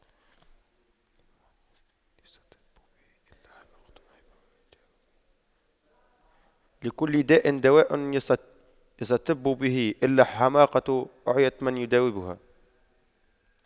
لكل داء دواء يستطب به إلا الحماقة أعيت من يداويها